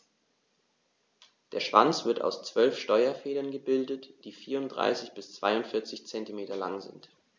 Der Schwanz wird aus 12 Steuerfedern gebildet, die 34 bis 42 cm lang sind.